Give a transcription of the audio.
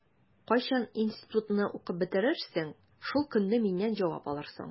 Кайчан институтны укып бетерерсең, шул көнне миннән җавап алырсың.